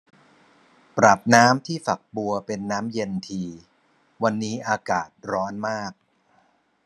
ปรับน้ำที่ฝักบัวเป็นน้ำเย็นทีวันนี้อากาศร้อนมาก